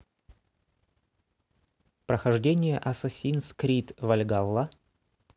прохождение assassins creed вальгалла